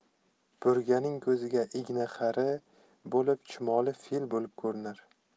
buiganing ko'ziga igna xari bo'lib chumoli fil bo'lib ko'rinar